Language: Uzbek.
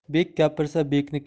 bek gapirsa bekniki